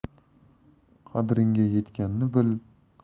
qadringga yetganni bil